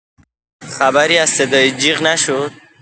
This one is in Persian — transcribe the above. خبری از صدای جیغ نشد.